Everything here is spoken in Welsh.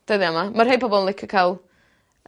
dyddia' 'ma. Ma' rhei pobol yn licio ca'l